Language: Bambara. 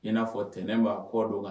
I n'a fɔ ntɛnɛn b'a kɔ don ka